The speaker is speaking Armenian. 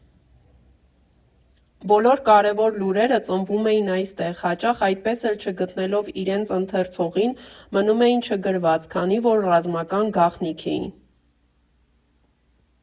Բոլոր կարևոր լուրերը ծնվում էին այստեղ հաճախ այդպես էլ չգտնելով իրենց ընթերցողին՝ մնում էին չգրված, քանի որ ռազմական գաղտնիք էին։